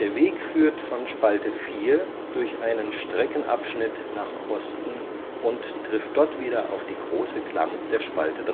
Weg führt von Spalte 4 durch einen Streckenabschnitt nach Osten und trifft dort wieder auf die große Klamm der Spalte